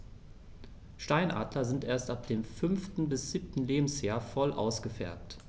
Steinadler sind erst ab dem 5. bis 7. Lebensjahr voll ausgefärbt.